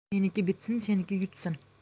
meniki bitsin seniki yitsin